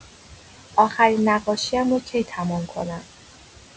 آخرین نقاشی‌ام را کی تمام کنم؟